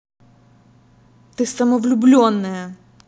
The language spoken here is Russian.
ты самовлюбленная